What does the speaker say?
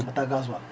mbaɗataa gasoil